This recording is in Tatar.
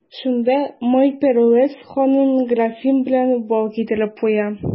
Шунда Майпәрвәз ханым графин белән бал китереп куя.